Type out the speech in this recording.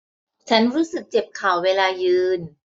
ฉันรู้สึกเจ็บเข่าเวลายืน